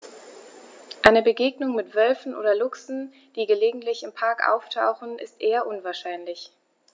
Eine Begegnung mit Wölfen oder Luchsen, die gelegentlich im Park auftauchen, ist eher unwahrscheinlich.